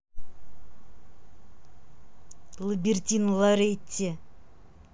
лабердина лоретти